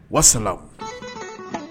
Wana